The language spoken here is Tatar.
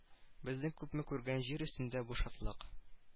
Безнең күпне күргән җир өстендә бу шатлык